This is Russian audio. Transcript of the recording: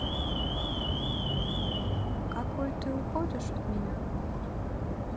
какой ты уходишь от меня